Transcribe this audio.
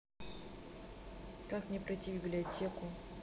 как мне пройти в библиотеку